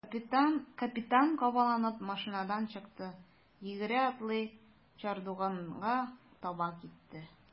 Капитан кабаланып машинадан чыкты, йөгерә-атлый чардуганга таба китте.